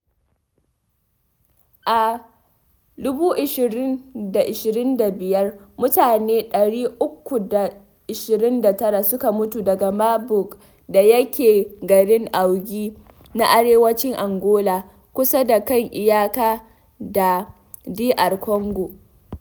A 20025, mutane 329 suka mutu daga Marburg da yake garin Uige na arewacin Angola, kusa da kan iyaka da DR Congo.